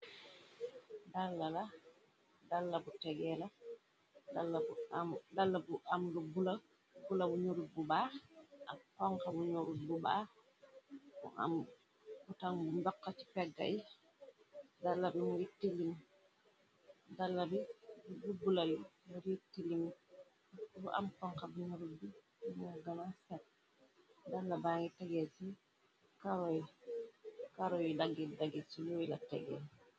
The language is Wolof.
Bdala bu am bula, bu nurub bu baax, akpoxb baaxu, am bu tan bu mboq ci peggay, lubbula rittilin, bu am ponxa bu ñërub bi gs, dala ba ngi tegeer, ci karoy daggi dagit ci ñuoy la tegeel.